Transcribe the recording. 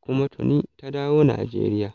kuma tuni ta dawo Nijeriya.